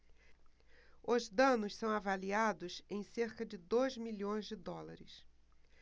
os danos são avaliados em cerca de dois milhões de dólares